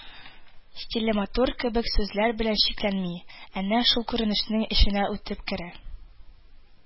Стиле матур” кебек сүзләр белән чикләнми, әнә шул күренешнең эченә үтеп керә,